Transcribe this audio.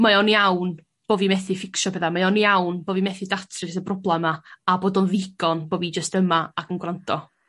mae o'n iawn bo' fi methu fficsio petha mae o'n iawn bo' fi methu datrys y broblem 'ma a bod o'n ddigon bo' fi jyst yma ac yn gwrando.